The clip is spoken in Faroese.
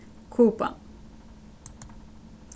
kuba